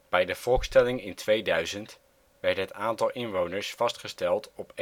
Bij de volkstelling in 2000 werd het aantal inwoners vastgesteld op